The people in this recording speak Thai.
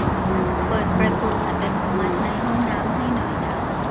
เปิดประตูอัตโนมัติในห้องน้ำให้หน่อยนะ